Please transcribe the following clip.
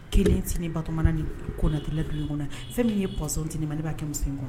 Kelen tɛ ne Batɔma na ni Konatela du in kɔnɔ yan, fɛn min ni ye poison di ne ma, ne b'a kɛ muso in kɔnɔ.